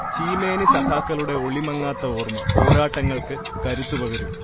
ചീമേനി സഖാക്കളുടെ ഒളിമങ്ങാത്ത ഓർമ, പോരാട്ടങ്ങൾക്ക് കരുത്തുപകരും